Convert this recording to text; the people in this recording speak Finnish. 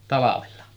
Talvella